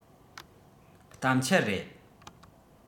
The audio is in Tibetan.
གཏམ འཁྱལ རེད